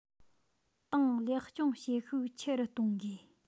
ཏང ལེགས སྐྱོང བྱེད ཤུགས ཆེ རུ གཏོང དགོས